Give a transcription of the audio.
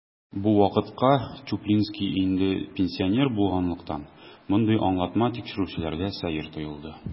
Бу вакытка Чуплинский инде пенсионер булганлыктан, мондый аңлатма тикшерүчеләргә сәер тоелды.